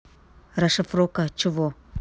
расшифровка чего